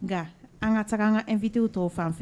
Nka an ka taga an ka invité tɔw fan fɛ